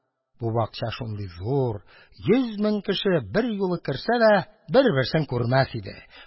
Бу бакча шундый зур: йөз мең кеше, берьюлы керсә дә, бер-берсен күрмәс иде.